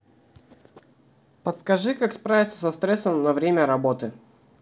подскажи как справиться со стрессом на время работы